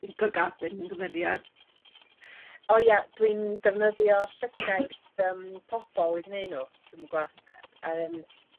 Fi'n licio'r gath hyn mae'n gymeriad! O ia dwi'n defnyddio llygaid yym pobol i gneud nw. Dwi'm yn gw'o yy yym